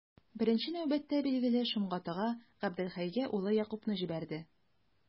Беренче нәүбәттә, билгеле, Шомгатыга, Габделхәйгә улы Якубны җибәрде.